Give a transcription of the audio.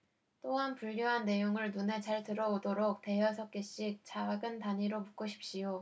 또한 분류한 내용을 눈에 잘 들어오도록 대여섯 개씩 작은 단위로 묶으십시오